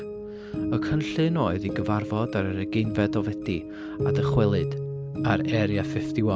Y cynllun oedd i gyfarfod ar yr ugeinfed o Fedi, a dychwelyd ar Area pum deg un.